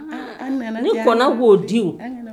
Ni kɔnɔ b'o di